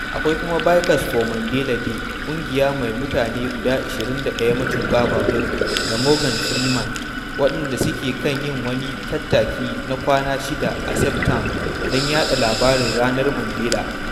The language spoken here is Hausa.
Akwai kuma “Bikers for Mandela Day” – ƙungiya mai mutane guda 21 matuƙa babura (da Morgan Freeman), waɗanda suke kan yin wani tattaki na kwana shida a Cape Town don yaɗa labarin Ranar Mandela.